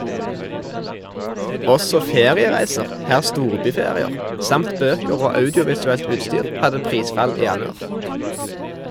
Også feriereiser, her storbyferier, samt bøker og audiovisuelt utstyr hadde prisfall i januar.